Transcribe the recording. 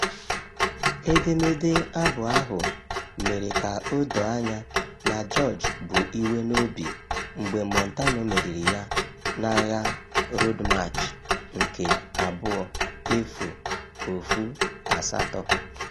Edemede abụ ahụ mere ka o doo anya na George bu iwe n'obi mgbe Montano meriri ya n'agha Road March nke 2018